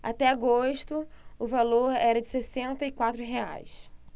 até agosto o valor era de sessenta e quatro reais